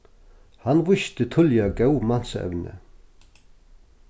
hann vísti tíðliga góð mansevni